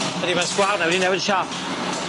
Ydi ma'r sgwâr 'na wedi newid siâp.